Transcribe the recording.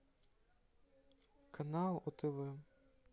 канал отв